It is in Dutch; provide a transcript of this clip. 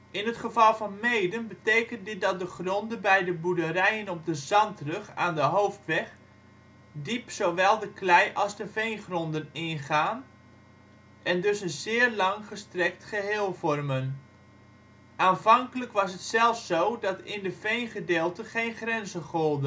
In het geval van Meeden betekent dat de gronden bij de boerderijen op de zandrug aan de hoofdweg diep zowel de klei - als de veenggronden in gaan en dus een zeer langgestrekt geheel vormen. Aanvankelijk was het zelfs zo dat in de veengedeelten geen grenzen golden. De